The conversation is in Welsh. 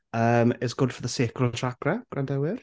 Yym, It's good for the sacral chakra, gwrandawyr.